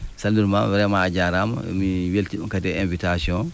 mi salmiti mama vraiment a jaaraama mi weltiima kadi e invitation oo